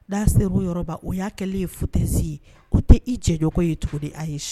Da se o yɔrɔba o y'a kɛlen ye futsi ye u tɛ i jɛɲɔgɔn ye tugu di a ye su